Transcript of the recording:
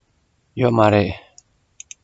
ཡོད མ རེད